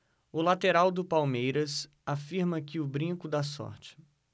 o lateral do palmeiras afirma que o brinco dá sorte